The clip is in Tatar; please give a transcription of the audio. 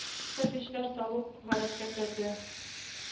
Үткәргечләр салу гадәткә керде